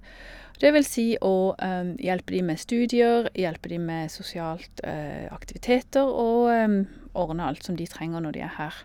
Og det vil si å hjelpe de med studier, hjelpe de med sosialt aktiviteter, og ordne alt som de trenger når de er her.